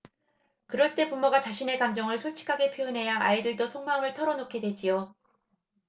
그럴 때 부모가 자신의 감정을 솔직하게 표현해야 아이들도 속마음을 털어 놓게 되지요